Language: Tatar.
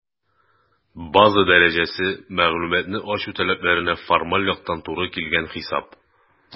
«база дәрәҗәсе» - мәгълүматны ачу таләпләренә формаль яктан туры килгән хисап.